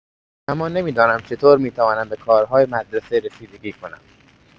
اما نمی‌دانم چطور می‌توانم به کارهای مدرسه رسیدگی کنم.